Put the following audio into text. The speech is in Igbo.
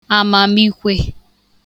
àmàmikwe